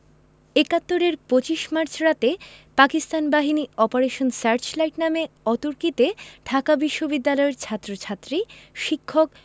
৭১ এর ২৫ মার্চ রাতে পাকিস্তান বাহিনী অপারেশন সার্চলাইট নামে অতর্কিতে ঢাকা বিশ্ববিদ্যালয়ের ছাত্রছাত্রী শিক্ষক